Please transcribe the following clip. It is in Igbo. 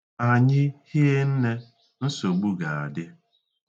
Anyị hie nne, nsogbu ga-adị.